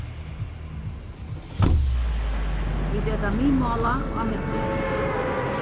vit eta miðmála á middegi